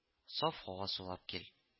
Саф һава сулап кил